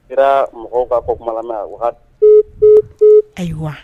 Sira mɔgɔw'a fɔ tumaumana wa ayiwa wa